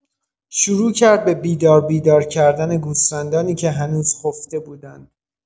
شروع کرد به بیدار بیدار کردن گوسفندانی که هنوز خفته بودند.